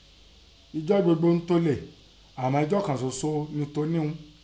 Ijọ́ gbogbo ntolè, àmọ́ ijọ́ kan soso ni toníhun.